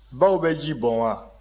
baw bɛ ji bɔn wa